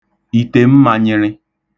ìtèmmānyị̄rị̄